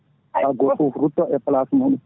ha goto foof rutto e place mum